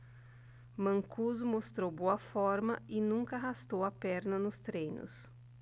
mancuso mostrou boa forma e nunca arrastou a perna nos treinos